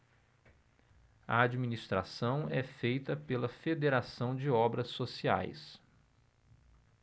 a administração é feita pela fos federação de obras sociais